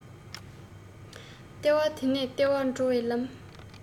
ལྟེ བ དེ ནས ལྟེ བར འགྲོ བའི ལམ